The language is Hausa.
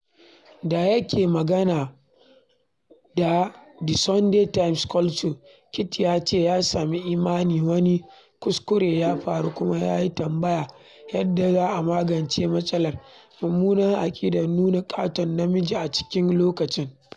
Da yake magana da The Sunday Times Culture, Kit ya ce ya yi imani 'wani kuskure ya faru' kuma ya yi tambaya yadda za a magance matsalar mummunan aƙidar nuna ƙaton namiji a cikin lokacin #MeToo.